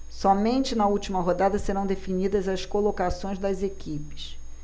somente na última rodada serão definidas as colocações das equipes